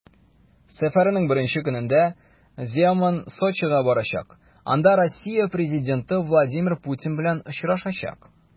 Сәфәренең беренче көнендә Земан Сочига барачак, анда Россия президенты Владимир Путин белән очрашачак.